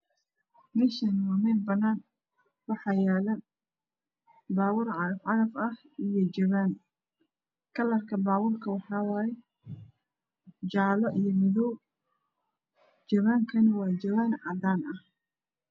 Meeshaan waa meel banaan waxaa yaala baabuur cagaf cagaf ah iyo jawaan. kalarka baabuurka waxa waaye jaalo iyo madow jawaankana waa cadaan.